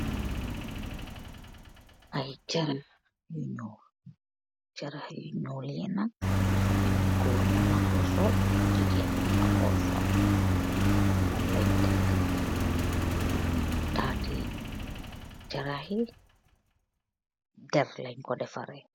Ay jaraah yuh nul , jaraah heei nul li nak , dafa melni goor munakoh sol , jigeen munaah ko sol moom leen teek tati jaraah heei derr lenn ko defareh.